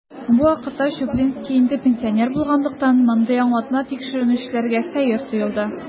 Бу вакытка Чуплинский инде пенсионер булганлыктан, мондый аңлатма тикшерүчеләргә сәер тоелды.